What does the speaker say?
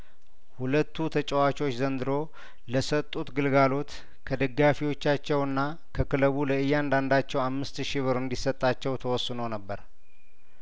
ሁለቱ ተጨዋቾች ዘንድሮ ለሰጡት ግልጋሎት ከደጋፊዎቻቸውና ከክለቡ ለእያንዳንዳቸው አምስት ሺ ብር እንዲ ሰጣቸው ተወስኖ ነበር